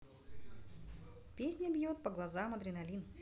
песня бьет по глазам адреналин